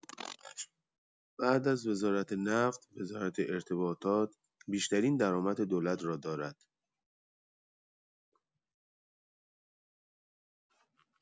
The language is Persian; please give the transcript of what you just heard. بعد از وزارت نفت، وزارت ارتباطات بیشترین درآمد دولت را دارد.